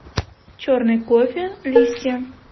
черный кофе листья